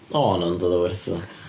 Ond oedd o'n werth o.